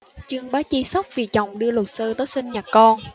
trương bá chi sốc vì chồng đưa luật sư tới sinh nhật con